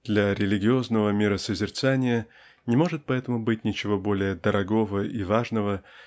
Для религиозного миросозерцания не может поэтому быть ничего более дорогого и важного